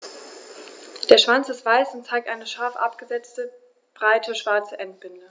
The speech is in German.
Der Schwanz ist weiß und zeigt eine scharf abgesetzte, breite schwarze Endbinde.